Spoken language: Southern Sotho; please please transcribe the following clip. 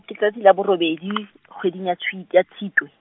ke tsatsi la borobedi, kgweding ya Tshwi-, ya Tshitwe.